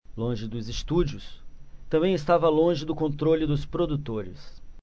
longe dos estúdios também estava longe do controle dos produtores